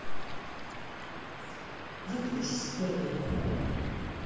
выключись впервые